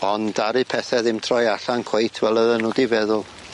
Ond aru pethe ddim troi allan cweit fel oedden nw 'di feddwl.